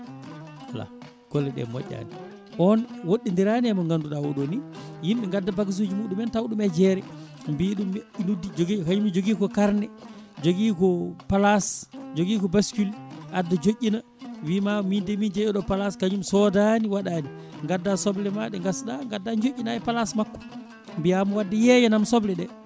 ala golleɗe moƴƴani on o wodɗorina e mo ganduɗa oɗo ni yimɓe gadda bagage uji muɗumen tawa ɗumen e jeere mbiya ɗum hayno jogui ko carnet jogui ko place jogui ko bascule adda joƴƴina wimma min de min jeeyi oɗo place kañum sodani waɗani gadda soble ma ɗe gaasɗa gadda joƴƴina e place makko mbiyamo wadde yeyanam sobleɗe